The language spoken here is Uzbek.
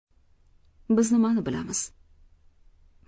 biz nimani bilamiz